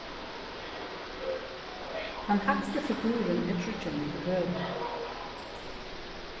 tann hægsti figururin er tríggjar metur høgur